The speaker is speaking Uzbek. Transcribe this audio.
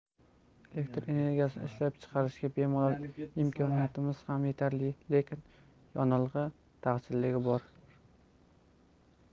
elektr energiyasini ishlab chiqarishga bemalol imkoniyatimiz ham yetarli lekin yoqilg'i taqchilligi bor